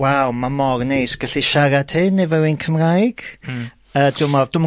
waw, ma' mor neis gallu siarad hyn efo rywun Cymraeg... Hmm. ...yy dwi me'wl dwi'm yn